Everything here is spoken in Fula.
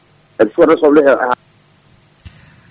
saaɗa sooda soble kayi a yahat